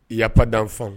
Yafafa danfan